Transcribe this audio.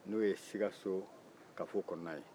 n'o ye sikaso kafo kɔnɔna ye